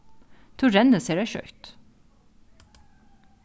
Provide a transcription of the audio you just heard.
tú rennur sera skjótt